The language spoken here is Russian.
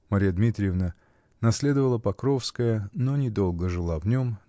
Марья Дмитриевна наследовала Покровское, но не долго жила в нем